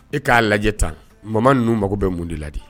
E k'a lajɛ tan mama n ninnuu mago bɛ mun de ladi